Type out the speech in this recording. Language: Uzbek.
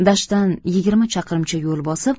dashtdan yigirma chaqirimcha yo'l bosib